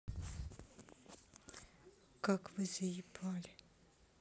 как вы заебали